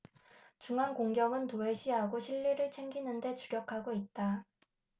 중앙 공격은 도외시하고 실리를 챙기는 데 주력하고 있다